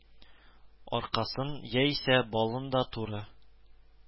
Аракысын, яисә балын да туры